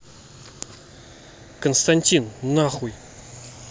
константин нахуй